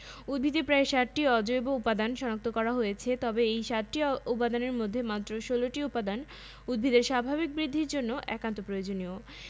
উদ্ভিদে প্রায় ৬০টি অজৈব উপাদান শনাক্ত করা হয়েছে তবে এই ৬০টি উপাদানের মধ্যে মাত্র ১৬টি উপাদান উদ্ভিদের স্বাভাবিক বৃদ্ধির জন্য একান্ত প্রয়োজনীয়